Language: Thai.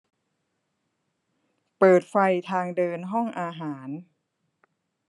เปิดไฟทางเดินห้องอาหาร